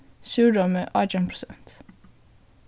súrrómi átjan prosent